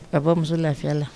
A ba muso lafiya la